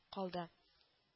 Калды